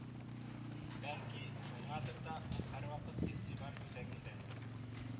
Бәлки, шуңадыр да, ул һәрвакыт игътибар үзәгендә